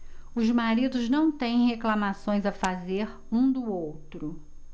os maridos não têm reclamações a fazer um do outro